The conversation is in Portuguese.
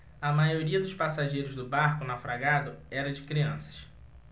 a maioria dos passageiros do barco naufragado era de crianças